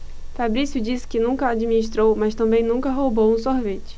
fabrício disse que nunca administrou mas também nunca roubou um sorvete